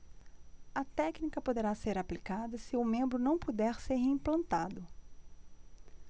a técnica poderá ser aplicada se o membro não puder ser reimplantado